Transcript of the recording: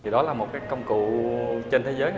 thì đó là một cách công cụ trên thế giới